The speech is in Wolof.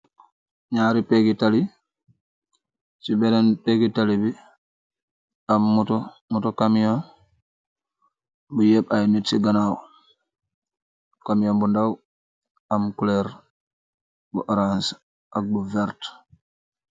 Ñaari péggi tali, ci beneen péggi tali bi am moto. Moto cabiyon bu yépp ay nit ci ganaaw. Cabiyon bu ndaw am kuloor bu arance ak bu verte.